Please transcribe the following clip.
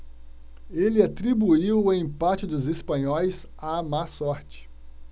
ele atribuiu o empate dos espanhóis à má sorte